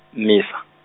mmesa.